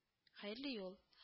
- хәерле юл